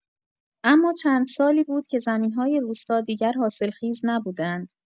اما چند سالی بود که زمین‌های روستا دیگر حاصلخیز نبودند.